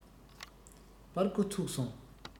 པར སྒོ ཚུགས སོང